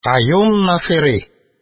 Каюм Насыйри